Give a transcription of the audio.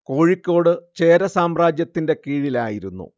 കോഴിക്കോട് ചേര സാമ്രാജ്യത്തിന്റെ കീഴിലായിരുന്നു